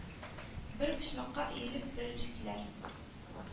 Бер почмакка өелеп бөрештеләр.